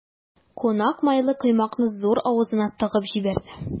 Кунак майлы коймакны зур авызына тыгып җибәрде.